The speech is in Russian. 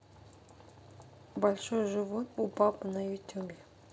большой живот у папы на ютубе